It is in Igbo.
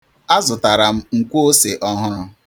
A zụtara m nkwoose ọhụrụ.